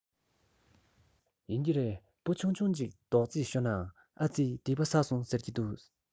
ཡིན གྱི རེད འབུ ཆུང ཆུང ཅིག རྡོག རྫིས ཤོར ནའི ཨ རྩི སྡིག པ བསགས སོང ཟེར གྱི འདུག